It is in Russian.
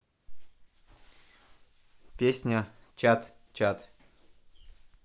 песня чат чат